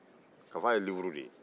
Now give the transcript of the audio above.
kafa ye liburu de ye